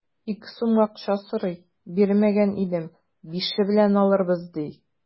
Ике сум акча сорый, бирмәгән идем, бише белән алырбыз, ди.